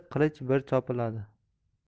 qilich bir chopiladi